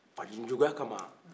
faden juguya kama